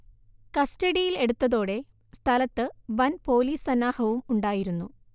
കസ്റ്റഡിയിൽ എടുത്തതോടെ സ്ഥലത്ത് വൻ പോലീസ് സന്നാഹവും ഉണ്ടായിരുന്നു